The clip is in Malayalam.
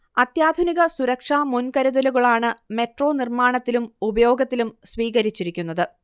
അത്യാധുനിക സുരക്ഷാ മുൻകരുതലുകളാണ് മെട്രോ നിർമ്മാണത്തിലും ഉപയോഗത്തിലും സ്വീകരിച്ചിരിക്കുന്നത്